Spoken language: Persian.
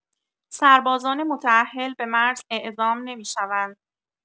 سربازان متاهل به مرز اعزام نمی‌شوند